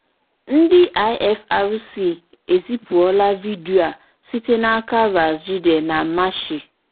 Ndị IFRC ezipụla vidiyo a sitere n'aka Ras Jdir na Maachị 1.